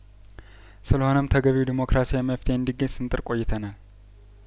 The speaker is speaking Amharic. ስለሆነም ተገቢው ዴሞክራሲያዊ መፍትሄ እንዲ ገኝ ስንጥር ቆይተናል